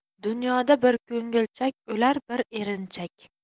dunyoda bir ko'ngilchak o'lar bir erinchak